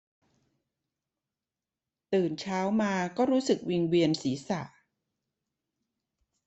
ตื่นเช้ามาก็รู้สึกวิงเวียนศีรษะ